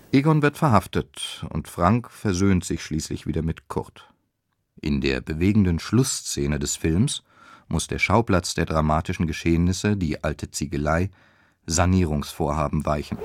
Egon wird verhaftet und Frank versöhnt sich schließlich wieder mit Kurt. In der bewegenden Schlussszene des Films muss der Schauplatz der dramatischen Geschehnisse, die alte Ziegelei, Sanierungsvorhaben weichen